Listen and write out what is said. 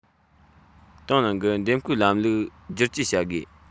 ཏང ནང གི འདེམས བསྐོའི ལམ ལུགས བསྒྱུར བཅོས བྱ དགོས